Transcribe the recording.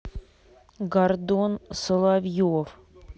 гордон соловьев